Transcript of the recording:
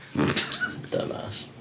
Dumbass.